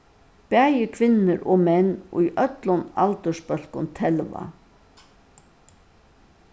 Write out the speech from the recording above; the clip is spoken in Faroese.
bæði kvinnur og menn í øllum aldursbólkum telva